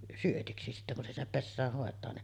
syötiksi sitten kun se sinne pesään hoitaa ne